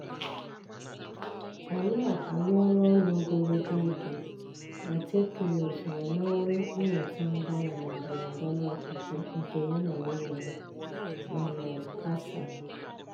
Alaa arụọla ọrụ ogologo oge na teknụzụ ma n'ọrụ mweta mgbanwe na ndọrọ ndọrọ ọchịchị nke ya na nwunye ya, Manal Hassan.